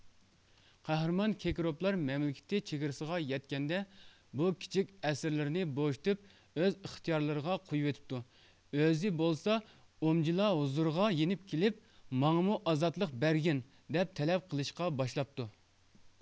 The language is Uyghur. قەھرىمان كېكروپلار مەملىكىتى چېگرىسىغا يەتكەندە بۇ كىچىك ئەسىرلىرىنى بوشىتىپ ئۆز ئىختىيارلىرىغا قويۇۋېتىپتۇ ئۆزى بولسا ئومجلا ھۇزۇرىغا يېنىپ كېلىپ ماڭىمۇ ئازادلىق بەرگىن دەپ تەلەپ قىلىشقا باشلاپتۇ